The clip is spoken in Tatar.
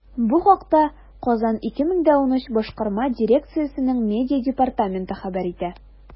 Бу хакта “Казан 2013” башкарма дирекциясенең медиа департаменты хәбәр итә.